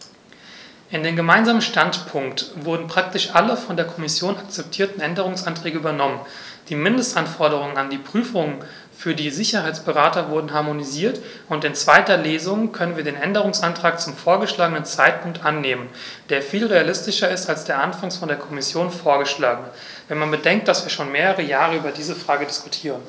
In den gemeinsamen Standpunkt wurden praktisch alle von der Kommission akzeptierten Änderungsanträge übernommen, die Mindestanforderungen an die Prüfungen für die Sicherheitsberater wurden harmonisiert, und in zweiter Lesung können wir den Änderungsantrag zum vorgeschlagenen Zeitpunkt annehmen, der viel realistischer ist als der anfangs von der Kommission vorgeschlagene, wenn man bedenkt, dass wir schon mehrere Jahre über diese Frage diskutieren.